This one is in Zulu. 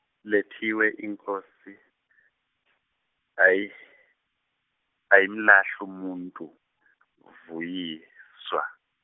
lethiwe iNkosi, ayi ayimlha- umuntu Vuyiswa.